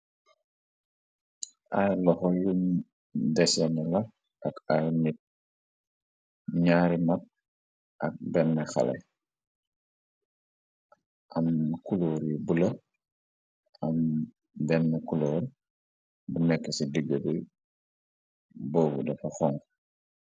Ay loxo yu deseena la ak ay nit ñyaari mag ak benn xale am kuloor yu bula am benne kuloor bu nekk ci diggi bi boobu dafa xonku.